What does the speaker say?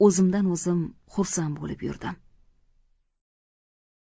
o'zimdan o'zim xursand bo'lib yurdim